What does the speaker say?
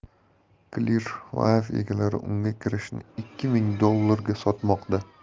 clearview egalari unga kirishni ikki ming dollarga sotmoqda